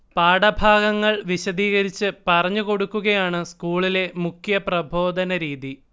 പാഠഭാഗങ്ങൾ വിശദീകരിച്ച് പറഞ്ഞുകൊടുക്കുകയാണ് സ്കൂളിലെ മുഖ്യപ്രബോധനരീതി